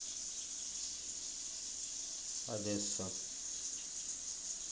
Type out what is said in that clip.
одесса